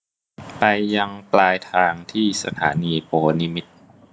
ไปยังปลายทางที่สถานีโพธิ์นิมิตร